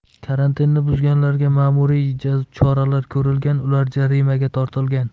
karantinni buzganlarga ma'muriy choralar ko'rilgan ular jarimaga tortilgan